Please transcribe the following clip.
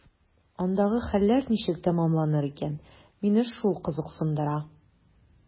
Андагы хәлләр ничек тәмамланыр икән – мине шул кызыксындыра.